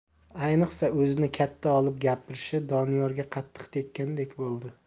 ayniqsa o'zini katta olib gapirishi doniyorga qattiq tekkandek bo'ldi